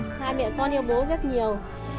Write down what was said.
hai mẹ con yêu bố rất nhiều